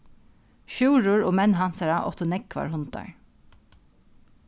sjúrður og menn hansara áttu nógvar hundar